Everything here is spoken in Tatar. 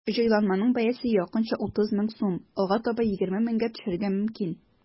Җайланманың бәясе якынча 30 мең сум, алга таба 20 меңгә төшәргә мөмкин.